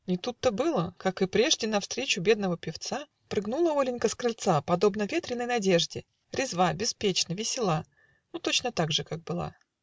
Не тут-то было: как и прежде, На встречу бедного певца Прыгнула Оленька с крыльца, Подобна ветреной надежде, Резва, беспечна, весела, Ну точно та же, как была.